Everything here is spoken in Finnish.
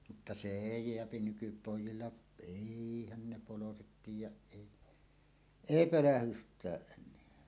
mutta se ei jää nykypojilla eihän ne poloiset tiedä ei ei pölähdystäkään enää